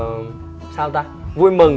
à sao ta vui mừng